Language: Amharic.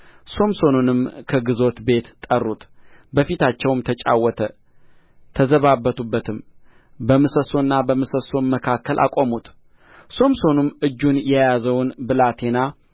ሶምሶንንም ከግዞት ቤት ጠሩት በፊታቸውም ተጫወተ ተዘባበቱበትም በምሰሶና በምሰሶም መካከል አቆሙት ሶምሶንም እጁን የያዘውን ብላቴና